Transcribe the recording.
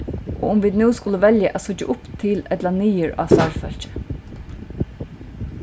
og um vit nú skulu velja at síggja upp til ella niður á starvsfólkið